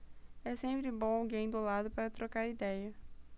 é sempre bom alguém do lado para trocar idéia